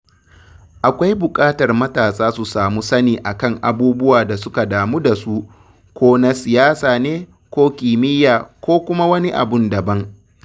Akwai buƙatar matasa su samu sani a kan abubuwan da suka damu da su, ko na siyasa ne ko kimiyya ko kuma wani abun daban.